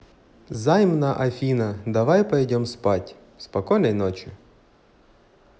займ на афина давай пойдем спать спокойной ночи